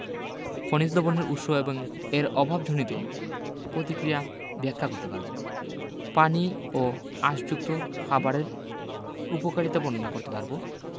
খনিজ লবণের উৎস এবং এর অভাবজনিত প্রতিক্রিয়া ব্যাখ্যা করতে পারব পানি ও আশযুক্ত খাবারের উপকারিতা বর্ণনা করতে পারব